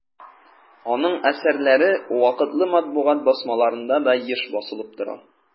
Аның әсәрләре вакытлы матбугат басмаларында да еш басылып тора.